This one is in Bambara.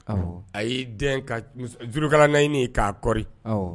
A'i den juruurukalalan naɲini k'aɔri